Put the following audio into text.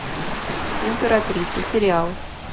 императрица сериал